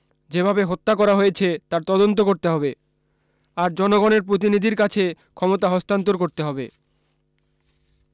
যেভাবে হত্যা করা হয়েছে তার তদন্ত করতে হবে আর জনগণের প্রতিনিধির কাছে ক্ষমতা হস্তান্তর করতে হবে